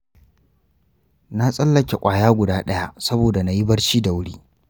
na tsallake ƙwaya guda ɗaya saboda na yi barci da wuri.